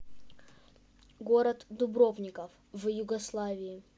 город дубровник в югославии